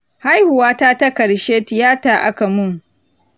haihuwata ta karshe tiyata akamun